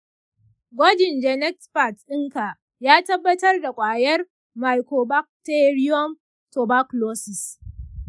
gwajin genexpert ɗinka ya tabbatar da ƙwayar mycobacterium tuberculosis.